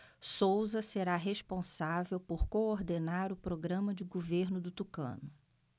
souza será responsável por coordenar o programa de governo do tucano